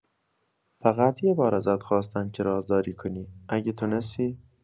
فقط یه بار ازت خواستم که رازداری کنی، اگه تونستی.